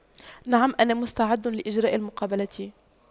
نعم انا مستعد لإجراء المقابلة